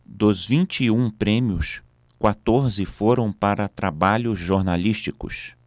dos vinte e um prêmios quatorze foram para trabalhos jornalísticos